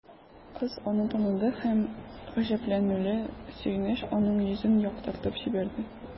Кыз аны таныды һәм гаҗәпләнүле сөенеч аның йөзен яктыртып җибәрде.